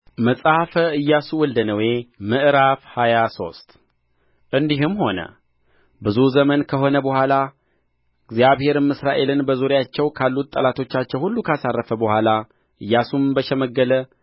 መጽሐፈ ኢያሱ ወልደ ነዌ ምዕራፍ ሃያ ሶስት እንዲህም ሆነ ብዙ ዘመን ከሆነ በኋላ እግዚአብሔርም እስራኤልን በዙሪያቸው ካሉት ጠላቶቻቸው ሁሉ ካሳረፈ በኋላ ኢያሱም በሸመገለ